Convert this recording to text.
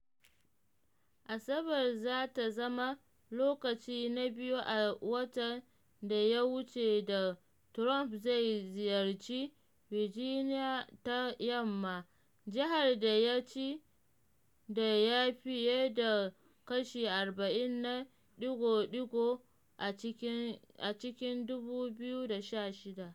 Asabar za ta zama lokaci na biyu a watan da ya wuce da Trump zai ziyarci Virginia ta Yamma, jihar da ya ci da fiye da kashi 40 na ɗigo-ɗigo a cikin 2016.